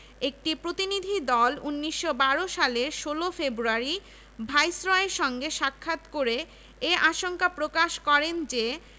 একটি প্রতিনিধিদল ১৯১২ সালের ১৬ ফেব্রুয়ারি ভাইসরয়ের সঙ্গে সাক্ষাৎ করে এ আশঙ্কা প্রকাশ করেন যে